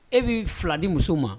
E bɛ fila di muso ma